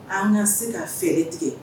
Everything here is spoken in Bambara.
An ka se ka fɛrɛ tigɛ